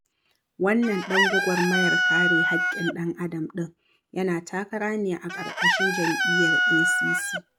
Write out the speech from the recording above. Wannan ɗan gwagwarmayar kare haƙƙin ɗan'adam ɗin yana takara ne a ƙarƙashin jam'iyyar AAC.